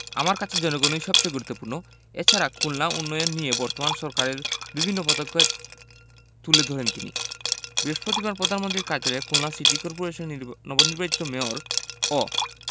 আমার কাছে জনগণই সবচেয়ে গুরুত্বপূর্ণ এছাড়া খুলনার উন্নয়ন নিয়ে বর্তমান সরকারের বিভিন্ন পদক্ষেপ তুলে ধরেন তিনি বৃহস্পতিবার প্রধানমন্ত্রীর কার্যালয়ে খুলনা সিটি কর্পোরেশনের নির্বা নবনির্বাচিত মেয়র ও